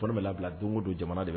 labila don don jamana de